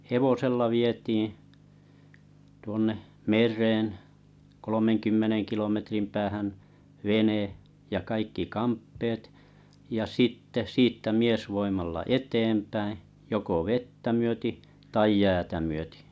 hevosella vietiin tuonne mereen kolmenkymmenen kilometrin päähän vene ja kaikki kamppeet ja sitten siitä miesvoimalla eteenpäin joko vettä myöten tai jäätä myöten